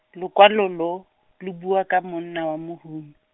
lokwalo lo, lo bua ka monna wa mohumi.